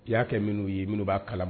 I ya kɛ minnu ye minnu ba kala